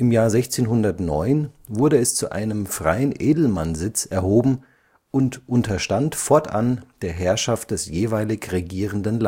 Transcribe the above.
Jahr 1609 wurde es zu einem freien Edelmannsitz erhoben und unterstand fortan der Herrschaft des jeweilig regierenden